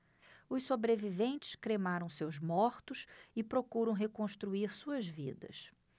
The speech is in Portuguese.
os sobreviventes cremaram seus mortos e procuram reconstruir suas vidas